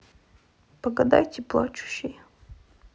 погадайте плачущей